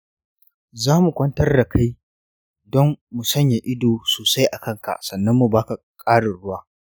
zamu kwantar da kai don mu sanya ido sosai a kanka sannan mu ba ka ƙarin ruwa.